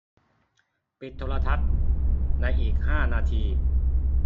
ปิดโทรทัศน์ในอีกห้านาที